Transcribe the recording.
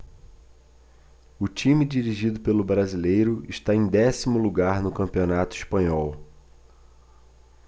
o time dirigido pelo brasileiro está em décimo lugar no campeonato espanhol